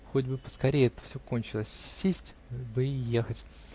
Хоть бы поскорей это все кончилось: сесть бы и ехать".